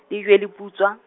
Lebjeleputswa.